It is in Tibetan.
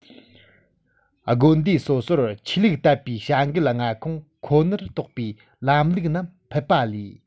དགོན སྡེ སོ སོར ཆོས ལུགས དད པའི བྱ འགུལ མངའ ཁོངས ཁོ ནར གཏོགས པའི ལམ ལུགས རྣམས ཕུད པ ལས